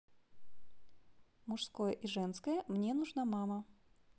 мужское и женское мне нужна мама